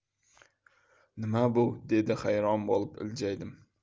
nima bu dedi hayron bo'lib iljaydim